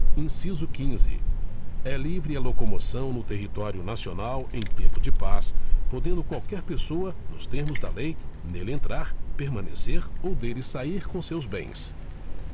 inciso quinze é livre a locomoção no território nacional em tempo de paz podendo qualquer pessoa nos termos da lei nele entrar permanecer ou dele sair com seus bens